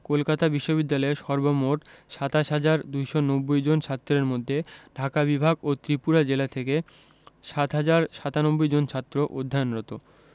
কলকাতা বিশ্ববিদ্যালয়ের সর্বমোট ২৭ হাজার ২৯০ জন ছাত্রের মধ্যে ঢাকা বিভাগ ও ত্রিপুরা জেলা থেকে ৭ হাজার ৯৭ জন ছাত্র অধ্যয়নরত